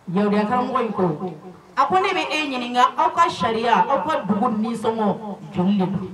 Yadenyakanmɔgɔ in ko a ko ne bɛ e ɲininka aw ka sariya aw ka dugu ni nisɔngɔ jugu de